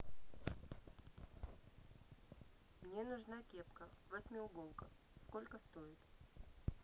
мне нужна кепка восьмиуголка сколько стоит